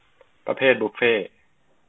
ประเภทบุฟเฟ่ต์